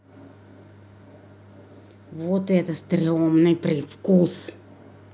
вот это стремный вкус